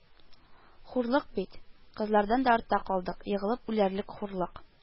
Хурлык бит, кызлардан да артта калдык, егылып үләрлек хурлык